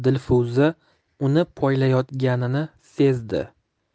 dilfuza uni poylayotganini sezdi